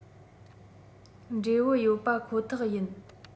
འབྲས བུ ཡོད པ ཁོ ཐག ཡིན